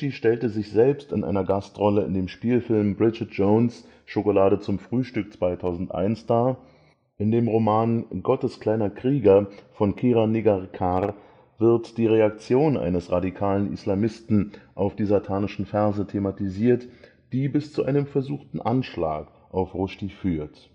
stellte sich selbst in einer Gastrolle in dem Spielfilm Bridget Jones – Schokolade zum Frühstück (2001) dar. In dem Roman Gottes kleiner Krieger von Kiran Nagarkar wird die Reaktion eines radikalen Islamisten auf Die satanischen Verse thematisiert, die bis zu einem versuchten Anschlag auf Rushdie führt